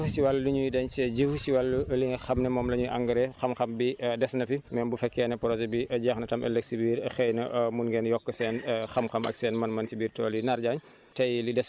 jërëjëf Diallo si wàllu nu ñuy dencee jiw si wàllu li nga xam ne moom la ñu engrais xam-xam bi des na fi même bu fekkee ne projet bi jeex na tam ëllëg si biir xëy na mun ngeen yokk seen xam-xam ak seen mën-mën si biir tool yi